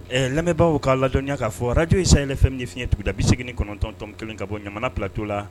Ɛɛ lamɛnbaa k'a ladɔnya k'a fɔ arajo ye sayayɛlɛ fɛn ni fiɲɛɲɛtigɛdabise ni kɔnɔntɔntɔn kelen ka bɔ jamana patɔ la